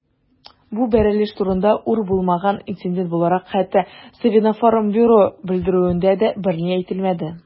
Бу бәрелеш турында, зур булмаган инцидент буларак, хәтта Совинформбюро белдерүендә дә берни әйтелмәде.